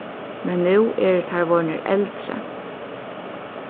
men nú eru teir vorðnir eldri